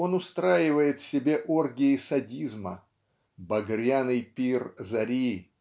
он устраивает себе оргии садизма "багряный пир зари"